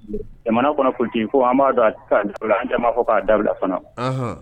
Jamana kɔnɔ kunnafonitigi ko an b'a dɔn da an' fɔ k'a dabila fana